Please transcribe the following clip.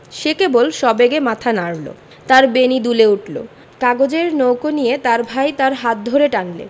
সে কেবল সবেগে মাথা নাড়ল তার বেণী দুলে উঠল কাগজের নৌকো নিয়ে তার ভাই তার হাত ধরে টানলে